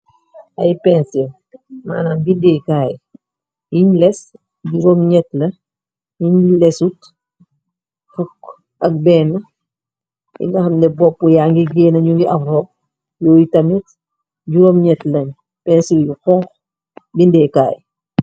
Ay pensir manam bindeekaay yiñ les juróom nyetti yun lesut juroom fukk ak 1 di ngaxamne bopp yangi géena ñu ngi aw rop yooy tamit juróom gñett lañ pensir yu xonku bindeekaay.